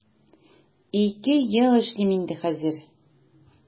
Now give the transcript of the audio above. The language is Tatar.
Ике ел эшлим инде хәзер.